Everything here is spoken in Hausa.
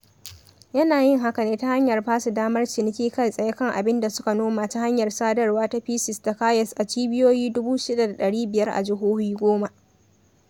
Yana yin haka ne ta hanyar basu damar ciniki kai tsaye kan abin da suka noma ta hanyar sadarwa ta PCs da kiosks a cibiyoyi 6,500 a jihohi 10.